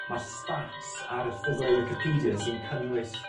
Ma'r stats ar erthygle wicipedie sy'n cynnwys